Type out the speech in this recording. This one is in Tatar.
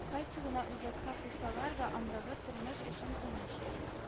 Кайсы гына үзәккә куйсалар да, андагы тормыш өчен тыныч